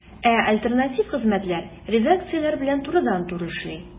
Ә альтернатив хезмәтләр редакцияләр белән турыдан-туры эшли.